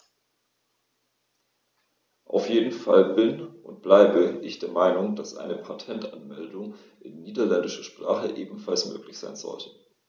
Auf jeden Fall bin - und bleibe - ich der Meinung, dass eine Patentanmeldung in niederländischer Sprache ebenfalls möglich sein sollte.